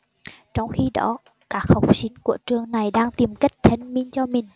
trong khi đó các học sinh của trường này đang tìm cách thanh minh cho mình